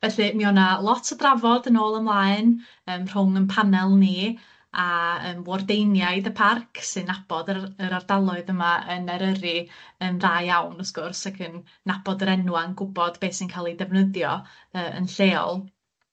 Felly, mi o' 'na lot o drafod yn ôl ymlaen yym rhwng 'yn panel ni a yym Wardaeniaid y Parc sy'n nabod yr yr ardaloedd yma yn Eryri yn dda iawn, wrth gwrs, ac yn nabod yr enwa', yn gwbod beth sy'n ca'l 'i defnyddio yy yn lleol.